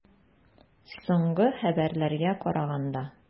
Соңгы хәбәрләргә караганда.